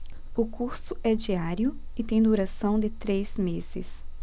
o curso é diário e tem duração de três meses